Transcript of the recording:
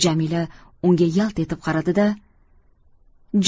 yana jamila unga yalt etib qaradi da